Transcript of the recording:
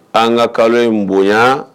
An ka kalo in bonya